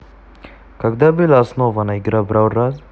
когда была основана игра brawl stars